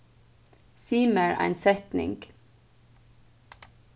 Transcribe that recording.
sig mær ein setning